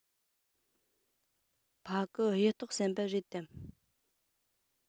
ཕ གི གཡུ ཐོག ཟམ པ རེད དམ